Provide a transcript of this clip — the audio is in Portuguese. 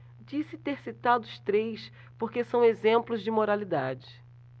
disse ter citado os três porque são exemplos de moralidade